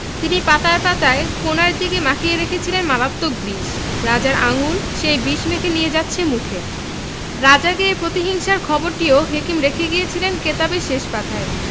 তিনি পাতায় পাতায় কোণার দিকে মাখিয়ে রেখেছিলেন মারাত্মক বিষ রাজার আঙুল সেই বিষ মেখে নিয়ে যাচ্ছে মুখে রাজাকে এই প্রতিহিংসার খবরটিও হেকিম রেখে গিয়েছিলেন কেতাবের শেষ পাতায়